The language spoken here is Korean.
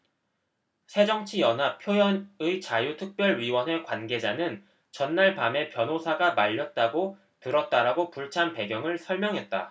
새정치연합 표현의자유특별위원회 관계자는 전날 밤에 변호사가 말렸다고 들었다라고 불참 배경을 설명했다